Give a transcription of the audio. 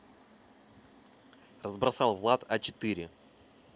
разбросал влад а четыре